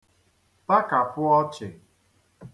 takàpụ ọ̄chị̄